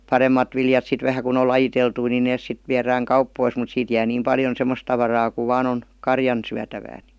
paremmat viljat sitten vähän kun on lajiteltuja niin ne sitten viedään kauppoihin mutta siitä jää niin paljon semmoista tavaraa kun vain on karjan syötävää niin